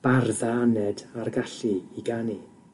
bardd aned a'r gallu i ganu.